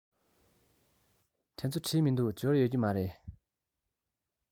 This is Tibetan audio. དེ ཚོ བྲིས མི འདུག འབྱོར ཡོད ཀྱི རེད